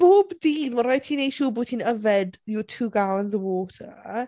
Bob dydd mae'n raid ti wneud siŵr bod ti'n yfed your two gallons of water.